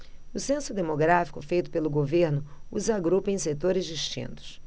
o censo demográfico feito pelo governo os agrupa em setores distintos